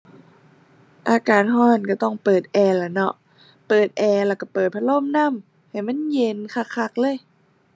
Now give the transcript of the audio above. อากาศร้อนร้อนต้องเปิดแอร์ล่ะเนาะ เปิดแอร์แล้วร้อนเปิดพัดลมนำให้มันเย็นคักคักเลย